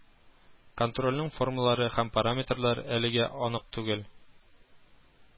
Контрольнең формалары һәм параметрлары әлегә анык түгел